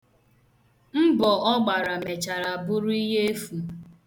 Mbọ ọ gbara mechara bụrụ ihe efu.